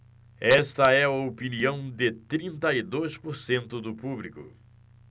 esta é a opinião de trinta e dois por cento do público